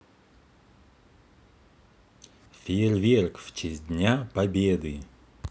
фейерверк в честь дня победы